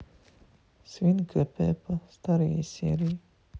свинка пеппа старые серии